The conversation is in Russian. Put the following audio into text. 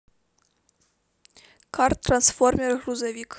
карл трансформер грузовик